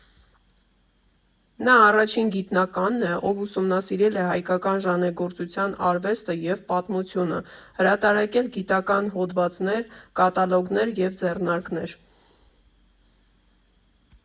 Նա առաջին գիտնականն է, ով ուսումնասիրել է հայկական ժանեկագործության արվեստը և պատմությունը, հրատարակել գիտական հոդվածներ, կատալոգներ և ձեռնարկներ։